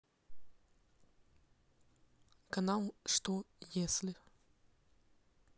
канал что если